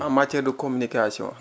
en matière de communication